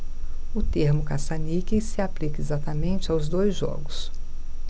o termo caça-níqueis se aplica exatamente aos dois jogos